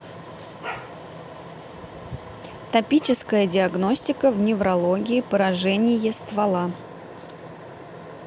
топическая диагностика в неврологии поражение ствола